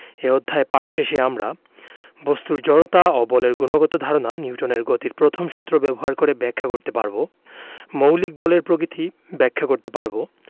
এ অধ্যায় পাঠ শেষে আমরা বস্তুর জড়তা ও বলের গুণগত ধারণা নিউটনের গতির প্রথম সূত্র ব্যবহার করে ব্যাখ্যা করতে পারব মৌলিক বলের প্রকৃতি ব্যাখ্যা করতে পারব